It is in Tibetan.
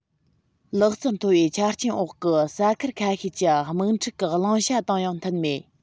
ལག རྩལ མཐོ བའི ཆ རྐྱེན འོག གི ས ཁུལ ཆ ཤས ཀྱི དམག འཁྲུག གི བླང བྱ དང ཡང མཐུན མེད